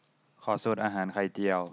ขอสูตรอาหารไข่เจียว